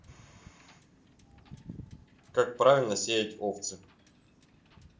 как правильно сеять овцы